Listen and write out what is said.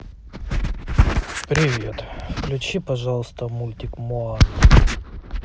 привет включи пожалуйста мультик моана